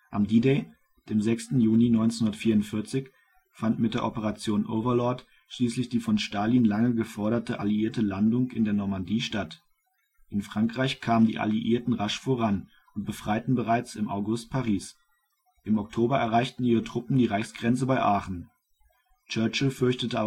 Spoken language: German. Am D-Day, dem 6. Juni 1944, fand mit der Operation Overlord schließlich die von Stalin lange geforderte alliierte Landung in der Normandie statt. In Frankreich kamen die Alliierten rasch voran und befreiten bereits im August Paris. Im Oktober erreichten ihre Truppen die Reichsgrenze bei Aachen. Churchill fürchtete